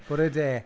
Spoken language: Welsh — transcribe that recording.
Bore de.